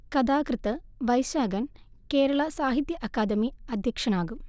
കഥാകൃത്ത് വൈശാഖൻ കേരള സാഹിത്യ അക്കാദമി അദ്ധ്യക്ഷനാകും